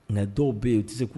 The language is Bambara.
Nka dɔw bɛ yen u te se k